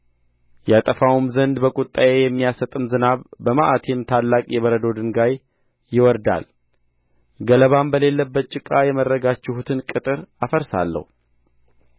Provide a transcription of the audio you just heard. ያጠፋውም ዘንድ በቍጣዬ የሚያሰጥም ዝናብ በመዓቴም ታላቅ የበረዶ ድንጋይ ይወርዳል ገለባም በሌለበት ጭቃ የመረጋችሁትን ቅጥር አፈርሳለሁ